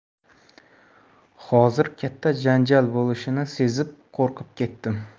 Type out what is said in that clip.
hozir katta janjal bo'lishini sezib qo'rqib ketdim